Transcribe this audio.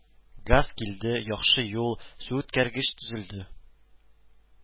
Газ килде, яхшы юл, суүткәргеч төзелде